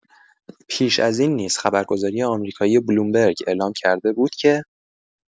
پیش از این نیز خبرگزاری آمریکایی بلومبرگ اعلام کرده بود که: